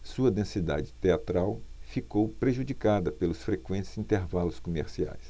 sua densidade teatral ficou prejudicada pelos frequentes intervalos comerciais